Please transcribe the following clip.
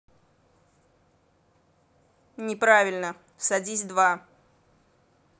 неправильно садись два